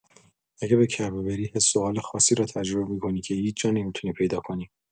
اگه به کعبه بری، حس و حال خاصی رو تجربه می‌کنی که هیچ‌جا نمی‌تونی پیدا کنی.